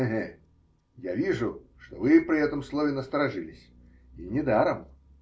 Эге, я вижу, что вы при этом слове насторожились -- и недаром.